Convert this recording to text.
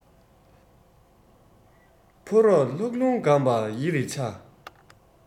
ཕོ རོག ལྷགས རླུང འགམ པ ཡི རེ འཕྱ